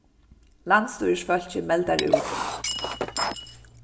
landsstýrisfólkið meldar út